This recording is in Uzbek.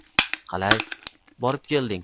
qalay borib kelding